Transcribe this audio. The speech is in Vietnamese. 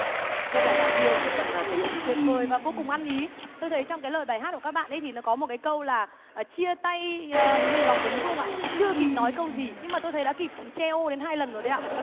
rất là đáng yêu một phần ờ thể hiện tuyệt vời và vô cùng ăn ý tôi thấy trong cái lời bài hát của các bạn ấy thì nó có một cái câu là chia tay ơ hình như là lòng vấn vương ạ chưa kịp nói câu gì nhưng mà tôi thấy đã kịp che ô đến hai lần rồi đấy ạ